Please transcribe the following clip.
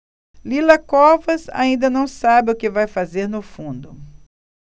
lila covas ainda não sabe o que vai fazer no fundo